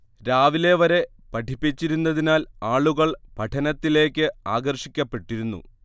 രാവിലെ വരെ പഠിപ്പിച്ചിരുന്നതിനാൽ ആളുകൾ പഠനത്തിലേക്ക് ആകർഷിക്കപ്പെട്ടിരുന്നു